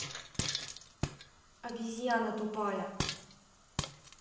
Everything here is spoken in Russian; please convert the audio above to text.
обезьяна тупая